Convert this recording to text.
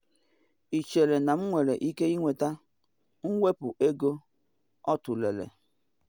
“Ị chere na m nwere ike ịnweta mwepu ego?” ọ tụlere.